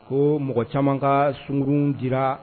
Ko mɔgɔ caaman ka sungurun dira